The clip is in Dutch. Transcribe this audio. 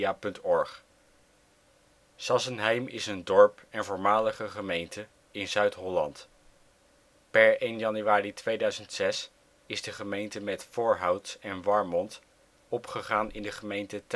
NB 4° 31 ' OL Sassenheim Plaats in Nederland Situering Provincie Zuid-Holland Gemeente Teylingen Coördinaten 52° 14′ NB, 4° 31′ OL Algemeen Inwoners (2005) 14 906 Portaal Nederland Sassenheim is een dorp en voormalige gemeente in Zuid-Holland. Per 1 januari 2006 is de gemeente met Voorhout en Warmond opgegaan in de gemeente